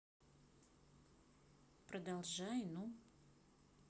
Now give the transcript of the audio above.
продолжай ну